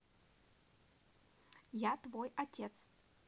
я твой отец